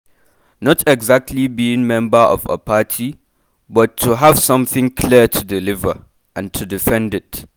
Not exactly being member of a party, but to have something clear to deliver, and to defend it”.